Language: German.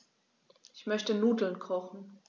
Ich möchte Nudeln kochen.